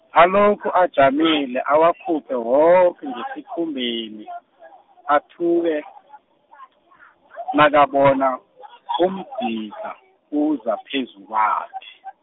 alokhu ajamile awakhuphe woke ngesikhumbeni, athuke, nakabona, umdzidlha, uza phezu kwakhe.